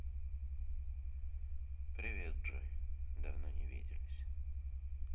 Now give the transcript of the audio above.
привет джой давно не виделись